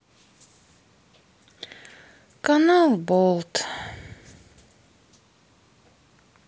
канал болт